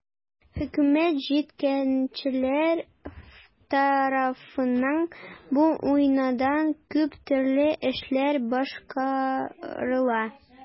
Хөкүмәт, җитәкчеләр тарафыннан бу уңайдан күп төрле эшләр башкарыла.